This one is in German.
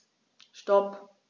Stop.